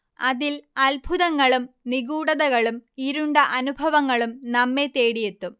അതിൽ അത്ഭുതങ്ങളും നിഗൂഢതകളും ഇരുണ്ട അനുഭവങ്ങളും നമ്മേ തേടിയെത്തും